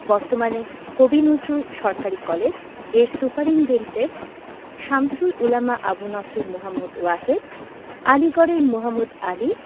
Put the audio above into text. বর্তমানে কবি নজরুল সরকারি কলেজ এর সুপারিন্টেন্ডেন্ট শামসুল উলামা আবু নসর মুহম্মদ ওয়াহেদ আলীগড়ের মোহাম্মদ আলী